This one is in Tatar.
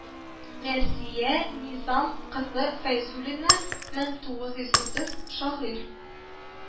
Мәрзия Низам кызы Фәйзуллина мең тугыз йөз утыз шагыйрь